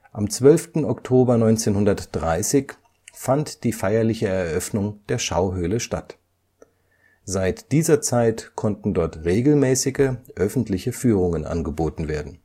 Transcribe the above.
Am 12. Oktober 1930 fand die feierliche Eröffnung der Schauhöhle statt. Seit dieser Zeit konnten dort regelmäßige öffentliche Führungen angeboten werden